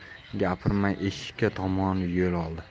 ham gapirmay eshikka tomon yo'l oldi